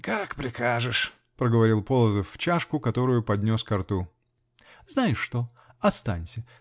-- Как прикажешь, -- проговорил Полозов в чашку, которую поднес ко рту. -- Знаешь что: останься.